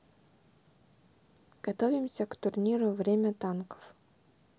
готовимся к турниру время танков